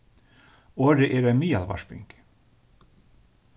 orðið er ein miðalvarping